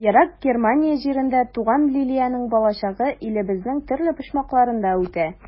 Ерак Германия җирендә туган Лилиянең балачагы илебезнең төрле почмакларында үтә.